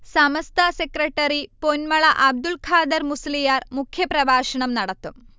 സമസ്ത secretary Ponmala Abdulkhader Musliyar മുഖ്യപ്രഭാഷണം നടത്തും